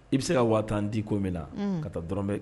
I bɛ se ka waa tan diko min na ka taa dɔrɔn bɛ